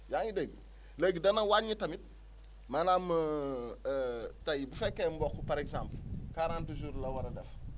yaa ngi dégg léegi dana wàññi tamit maanaam tey bu fekkee mboq par exemple quarante jours la war a def